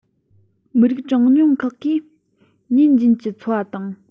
མི རིགས གྲངས ཉུང ཁག གིས ཉིན རྒྱུན གྱི འཚོ བ དང